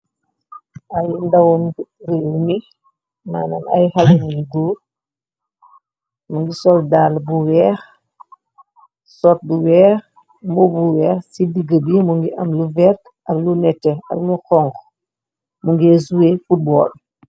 Ay ndawum réw mi manan ay xale yu goor mu ngi soldaal bu weex sot bu weex mo bu weex ci digga bi mu ngi am lu vert ak lu nette ak lu xonku mu ngie zuwe football.